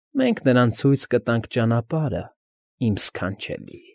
Մենք նրան ցույց կտանք ճանապարհը, իմ ս֊ս֊քանչելի։ ֊